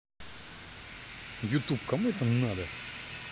youtube кому это надо